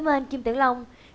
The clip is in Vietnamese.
ơn anh kim tử long